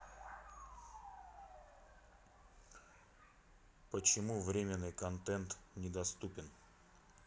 почему временной контент недоступен